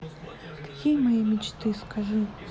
какие мои мечты скажи